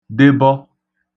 debọ